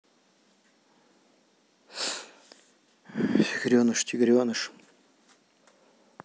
тигреныш тигреныш